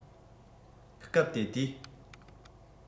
སྐབས དེ དུས